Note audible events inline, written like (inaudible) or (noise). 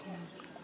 (hesitation) (hesitation)